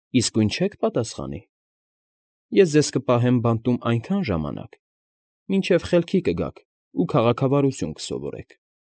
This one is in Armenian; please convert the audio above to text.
Իսկույն չե՞ք պատասխանի՝ ես ձեզ կպահեմ բանտում այնքան ժամանակ, մինչև խելքի կգաք ու քաղաքավարություն կսովորեք։